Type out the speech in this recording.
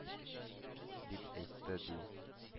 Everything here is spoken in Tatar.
— дип әйтте, ди.